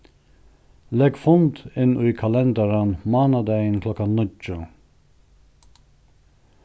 legg fund inn í kalendaran mánadagin klokkan níggju